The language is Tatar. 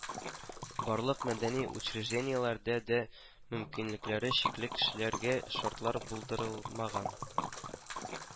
Барлык мәдәни учреждениеләрдә дә мөмкинлекләре чикле кешеләргә шартлар булдырылмаган